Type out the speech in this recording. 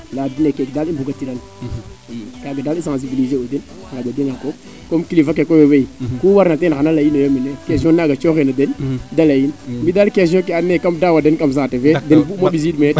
leya dene kene daal i mbuga tiran i kaame daal mi sensibliser u den ŋaƴa den a koom comme kilifa ke koy o wey ku warna teen xana leyino yo mene questiom naaga cooxena den de liy mi dal question ke ando naye kam daawa den kam saate fe den bug umo mbissin mene